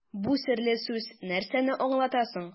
Бу серле сүз нәрсәне аңлата соң?